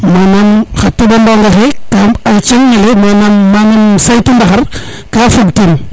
manam xa teɓanoŋaxe manam a seytu ndaxar ka fog ten